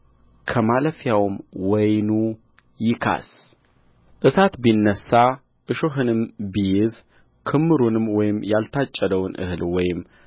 ከማለፊያውም ወይኑ ይካስ እሳት ቢነሣ እሾኽንም ቢይዝ ክምሩንም ወይም ያልታጨደውን እህል ወይም